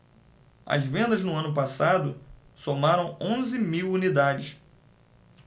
as vendas no ano passado somaram onze mil unidades